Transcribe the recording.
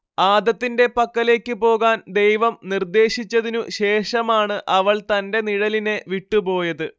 ആദത്തിന്റെ പക്കലേയ്ക്കു പോകാൻ ദൈവം നിർദ്ദേശിച്ചതിനു ശേഷമാണ്‌ അവൾ തന്റെ നിഴലിനെ വിട്ടുപോയത്